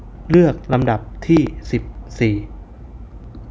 เลือกลำดับที่สิบสี่